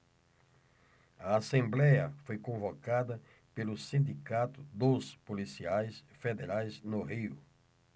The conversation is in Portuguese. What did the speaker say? a assembléia foi convocada pelo sindicato dos policiais federais no rio